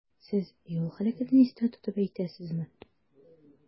Сез юл һәлакәтен истә тотып әйтәсезме?